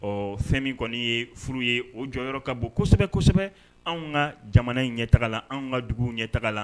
Ɔ fɛn min kɔni ye furu ye o jɔyɔrɔ yɔrɔ ka bon kosɛbɛ kosɛbɛ anw ka jamana in ɲɛ taga la an ka dugu ɲɛtaa la